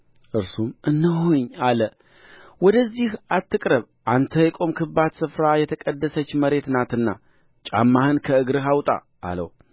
እርሱም እነሆኝ አለ ወደዚህ አትቅረብ አንተ የቆምህባት ስፍራ የተቀደሰች መሬት ናትና ጫማህን ከእግርህ አውጣ አለው